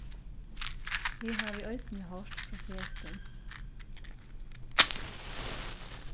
eg havi eisini hoyrt profetin